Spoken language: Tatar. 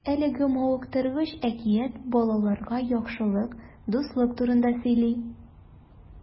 Әлеге мавыктыргыч әкият балаларга яхшылык, дуслык турында сөйли.